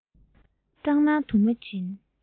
སྐྲག སྣང དུ མ བྱིན